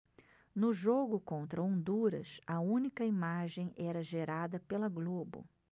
no jogo contra honduras a única imagem era gerada pela globo